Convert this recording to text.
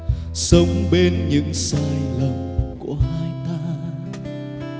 sống bên những sai lầm của hai ta